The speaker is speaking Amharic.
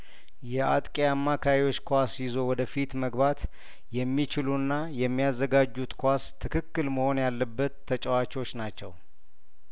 የአጥቂ አማካዮች ኳስ ይዞ ወደፊት መግባት የሚችሉና የሚያዘጋጁት ኳስ ትክክል መሆን ያለበት ተጫዋቾች ናቸው